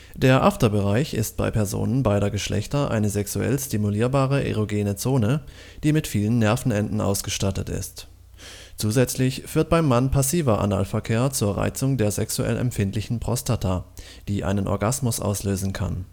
Der Afterbereich ist bei Personen beider Geschlechter eine sexuell stimulierbare erogene Zone, die mit vielen Nervenenden ausgestattet ist. Zusätzlich führt beim Mann passiver Analverkehr zur Reizung der sexuell empfindlichen Prostata, die einen Orgasmus auslösen kann